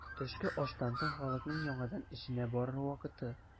Төшке аштан соң халыкның яңадан эшенә барыр вакыты.